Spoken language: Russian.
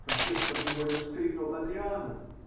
Профессор невольно вскрикнул: -- Адриана.